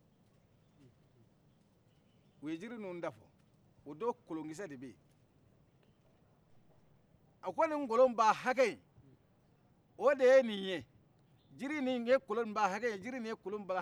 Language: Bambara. o don kolonkisɛ de bɛ yen a ko nin kolon ba hakɛ in o de ye nin ye jiri nin ye kolon ba hakɛ in ye jiri nin ye kolon ba hakɛ in ye